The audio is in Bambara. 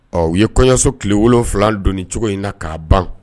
Ɔ u ye kɔɲɔso tile wolon wolonwula don cogo in na k'a ban